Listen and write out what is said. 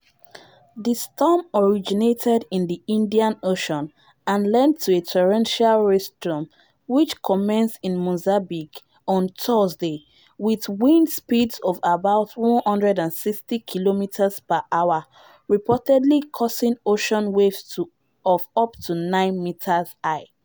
The storm originated in the Indian Ocean and led to a torrential rainstorm which commenced in Mozambique on Thursday, with wind speeds of about 160 kilometers per hour, reportedly causing ocean waves of up to 9 meters high.